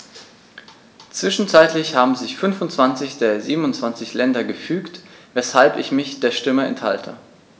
Zwischenzeitlich haben sich 25 der 27 Länder gefügt, weshalb ich mich der Stimme enthalte.